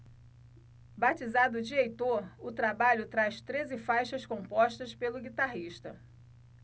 batizado de heitor o trabalho traz treze faixas compostas pelo guitarrista